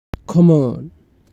Come on."